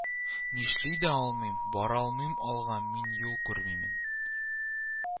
Нишли дә алмыйм, баралмыйм алга, мин юл күрмимен